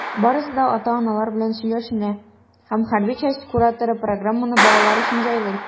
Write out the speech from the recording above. Барысы да ата-аналар белән сөйләшенә, һәм хәрби часть кураторы программаны балалар өчен җайлый.